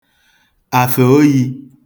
àfè oyī